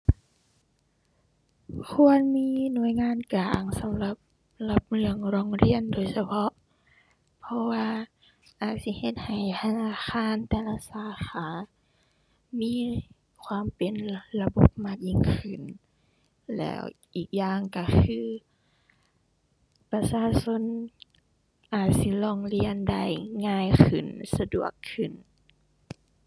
ควรมีหน่วยงานกลางสำหรับรับเรื่องร้องเรียนโดยเฉพาะ เพราะว่าอาจสิเฮ็ดให้ธนาคารแต่ละสาขามีความเป็นระบบมากยิ่งขึ้น แล้วอีกอย่างก็คือประชาชนอาจสิร้องเรียนได้ง่ายขึ้นสะดวกขึ้น